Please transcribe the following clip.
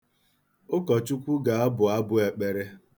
Ụkọchukwu ga-abụ abụ ekpere.